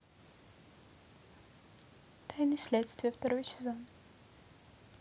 тайны следствия второй сезон